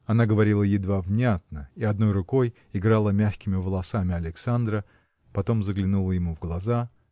Она говорила едва внятно и одной рукой играла мягкими волосами Александра потом заглянула ему в глаза.